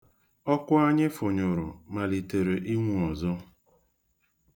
Ọkụ anyị fụnyụrụ malitere inwu ọzọ.